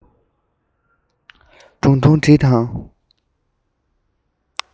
སྒྲུང ཐུང བྲིས དང